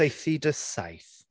Saethu dy saeth.